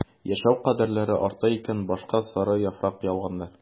Яшәү кадерләре арта икән башка сары яфрак яуганда...